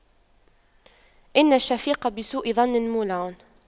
إن الشفيق بسوء ظن مولع